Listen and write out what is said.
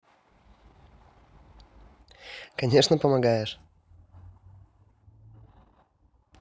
конечно помогаешь